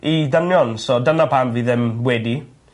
i dynion so dyna pam fi ddim wedi.